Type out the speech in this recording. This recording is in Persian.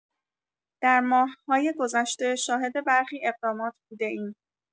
در ماه‌های گذشته شاهد برخی اقدامات بوده‌ایم.